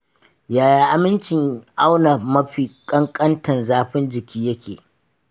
yaya amincin auna mafi ƙanƙantan zafin jiki yake?